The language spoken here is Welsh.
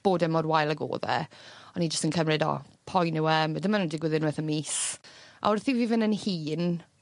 bod e mor wael ag odd e. O'n i jyst yn cymryd o poen yw e ma' ddim ond yn digwydd unweth y mis, a wrth i fi fyn' yn hŷn